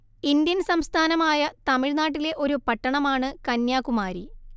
Indian സംസ്ഥാനമായ തമിഴ്നാട്ടിലെ ഒരു പട്ടണമാണ് കന്യാകുമാരി